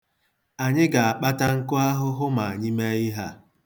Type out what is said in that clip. Anyị ga-akpata nkụ ahụhụ ma anyị mee ihe a.